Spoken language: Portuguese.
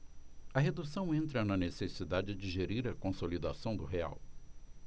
a redução entra na necessidade de gerir a consolidação do real